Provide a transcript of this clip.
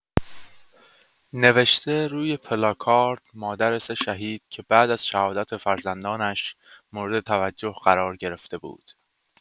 نوشته روی پلاکارد مادر سه شهید که بعد از شهادت فرزندانش مورد توجه قرار گرفته بود.